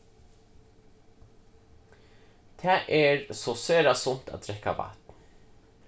tað er so sera sunt at drekka vatn